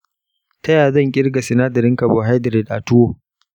ta ya zan kirga sinadarin carbohydrates a tuwo?